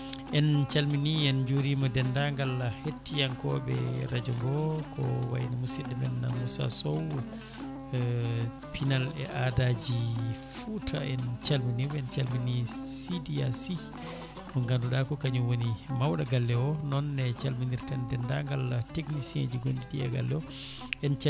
en calmini en juurima dendagal hettiyankoɓe radio ko wayno musidɗo men Moussa Sow piinal e aadaji Fouta en calminiɓe en calmini Sidy Yaya Sy mo ganduɗa ko kañum woni mawɗo galle o nonne calminirten dendagal technicien ji gonɗi ɗi e galle o